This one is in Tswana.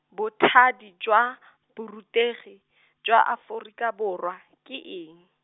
bothati jwa , borutegi , jwa Aforika Borwa, ke eng?